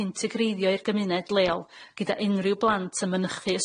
hintygreiddio i'r gymuned leol gyda unrhyw blant yn mynychu